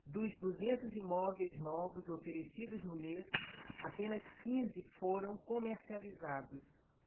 dos duzentos imóveis novos oferecidos no mês apenas quinze foram comercializados